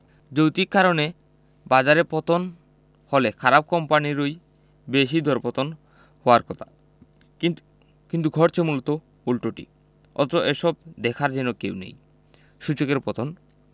যৌতিক কারণে বাজারে পতন হলে খারাপ কোম্পানিরই বেশি দরপতন হওয়ার কথা কিন্তু কিন্তু ঘটছে মূলত উল্টোটি অথচ এসব দেখার যেন কেউ নেই সূচকের পতন